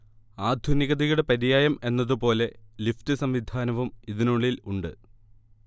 ആധുനികതയുടെ പര്യായം എന്നതുപോലെ ലിഫ്റ്റ് സംവിധാനവും ഇതിനുള്ളിൽ ഉണ്ട്